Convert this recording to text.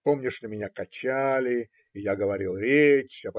Помню, что меня качали и я говорил речь.